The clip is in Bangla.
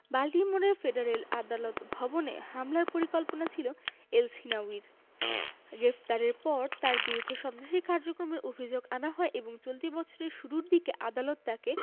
বাল্টিমোরের ফেডারেল আদালত ভবনে হামলার পরিকল্পনা ছিল এলসহিনাউয়ির গ্রেপ্তারের পর তাঁর বিরুদ্ধে সন্ত্রাসী কার্যক্রমের অভিযোগ আনা হয় এবং চলতি বছরের শুরুর দিকে আদালত তাকে